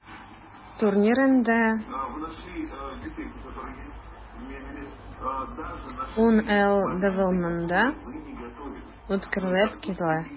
Турнир инде 10 ел дәвамында үткәрелеп килә.